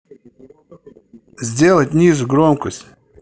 сделать ниже громкость